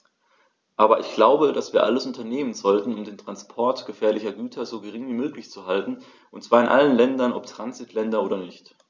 Aber ich glaube, dass wir alles unternehmen sollten, um den Transport gefährlicher Güter so gering wie möglich zu halten, und zwar in allen Ländern, ob Transitländer oder nicht.